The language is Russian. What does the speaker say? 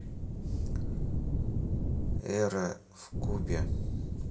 эра в клубе